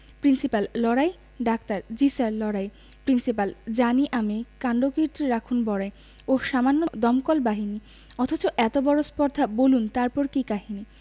principal লড়াই doctor জ্বী sir লড়াই প্রিন্সিপাল জানি আমি কাণ্ডকীর্তি রাখুন বড়াই ওহ্ সামান্য দমকল বাহিনী অথচ এত বড় স্পর্ধা বলুন তারপর কি কাহিনী